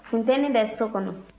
funteni bɛ so kɔnɔ